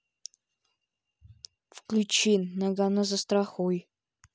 включи ноггано застрахуй